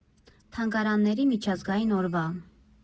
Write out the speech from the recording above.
Թանգարանների միջազգային օրվա։